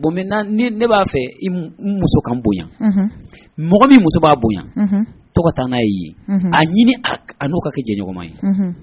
bon ne b'a fɛ i muso ka bonyayan mɔgɔ min muso b'a bonya tɔgɔ taa n'a ye ye a ɲini n'o ka kɛ jɛɲɔgɔn ye